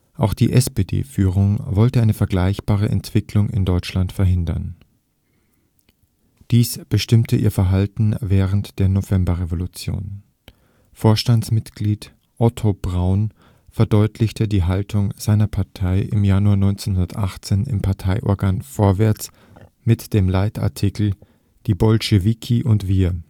Auch die SPD-Führung wollte eine vergleichbare Entwicklung in Deutschland verhindern. Dies bestimmte ihr Verhalten während der Novemberrevolution. Vorstandsmitglied Otto Braun verdeutlichte die Haltung seiner Partei im Januar 1918 im Parteiorgan Vorwärts in dem Leitartikel Die Bolschewiki und wir